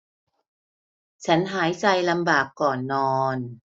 ฉันหายใจลำบากก่อนนอน